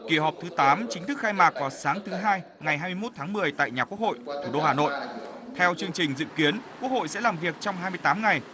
kỳ họp thứ tám chính thức khai mạc vào sáng thứ hai ngày hai mươi mốt tháng mười tại nhà quốc hội thủ đô hà nội theo chương trình dự kiến quốc hội sẽ làm việc trong hai mươi tám ngày